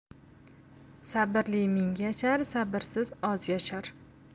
sabrli ming yashar sabrsiz oz yashar